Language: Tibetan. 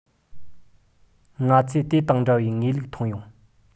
ང ཚོས དེ དང འདྲ བའི ངེས ལུགས མཐོང ཡོད